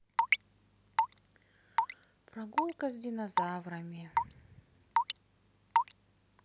прогулка с динозаврами